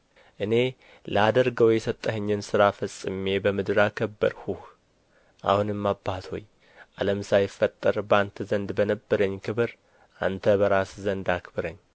እኔ ላደርገው የሰጠኸኝን ሥራ ፈጽሜ በምድር አከበርሁህ አሁንም አባት ሆይ ዓለም ሳይፈጠር በአንተ ዘንድ በነበረኝ ክብር አንተ በራስህ ዘንድ አክብረኝ